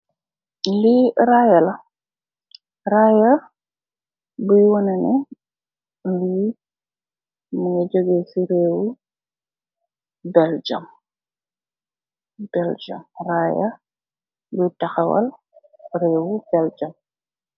Li raaye la raaye bi wone ne li mogi jogeh si reew Belgium Belgium raaye bi taxawal reewi Belgium.